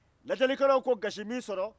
lajɛlikɛlaw ko gasi min sɔrɔ